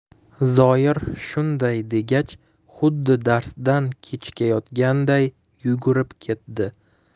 zoir shunday degach xuddi darsdan kechikayotganday yugurib ketdi